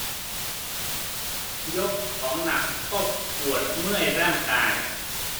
ยกของหนักก็ปวดเมื่อยร่างกาย